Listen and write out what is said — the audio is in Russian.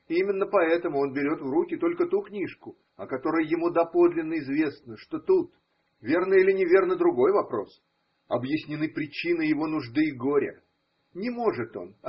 И именно поэтому он берет в руки только ту книжку, о которой ему доподлинно известно, что тут– верно или неверно, другой вопрос – объяснены причины его нужды и горя. Не может он.